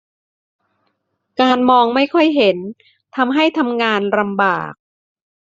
การมองไม่ค่อยเห็นทำให้ทำงานลำบาก